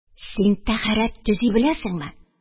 Син тәһарәт төзи беләсеңме?..